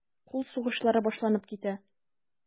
Кул сугышлары башланып китә.